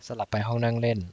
สลับไปห้องนั่งเล่น